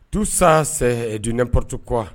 Tout ça c'est du importe quoi